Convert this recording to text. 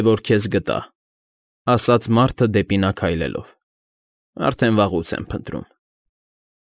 Է, որ քեզ գտա,֊ ասաց մարդը դեպի նա քայլելով։֊ Արդեն վաղուց եմ փնտրում։